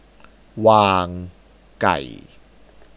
วางไก่